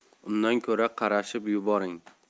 undan ko'ra qarashib yuboring